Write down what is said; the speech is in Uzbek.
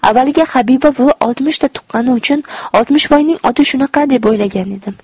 avvaliga habiba buvi oltmishta tuqqani uchun oltmishvoyning oti shunaqa deb o'ylagan edim